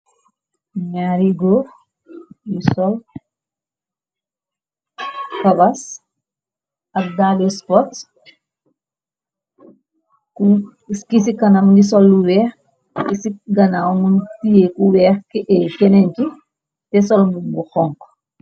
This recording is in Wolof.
Nyaari goor yu sol kawas ak dalli spots ki ci kanam ngi sollu weex ki ci ganaaw mën tiee ku weex ke ey kenenci te solmu mbumu xonku.